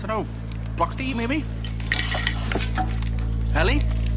Dunno. Block D, maybe? Ellie?